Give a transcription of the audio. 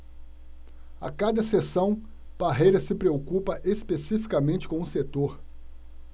a cada sessão parreira se preocupa especificamente com um setor